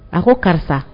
A ko karisa